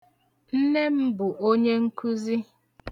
Nne m bụ onye nkuzi.